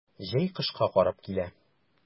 Җәй кышка карап килә.